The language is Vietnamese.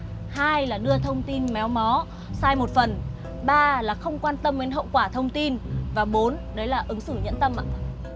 hai là đưa thông tin méo mó sai một phần ba là không quan tâm đến hậu quả thông tin và bốn đấy là ứng xử nhẫn tâm ạ